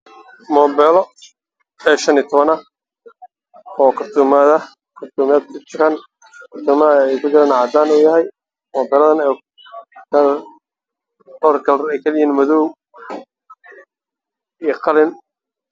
Waa mobile lo A 15 ah